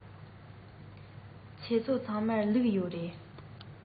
ཁྱེད ཚོ ཚང མར ལུག ཡོད རེད